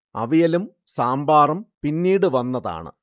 അവിയലും സാമ്പാറും പിന്നീട് വന്നതാണ്